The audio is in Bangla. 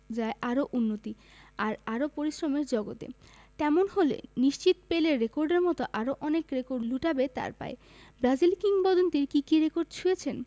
যায় আরও উন্নতি আর আরও পরিশ্রমের জগতে তেমন হলে নিশ্চিত পেলের রেকর্ডের মতো আরও অনেক রেকর্ড লুটাবে তাঁর পায়ে ব্রাজিল কিংবদন্তির কী কী রেকর্ড ছুঁয়েছেন